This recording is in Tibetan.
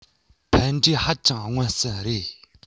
ཕན འབྲས ཧ ཅང མངོན གསལ རེད